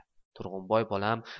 turg'unboy bolam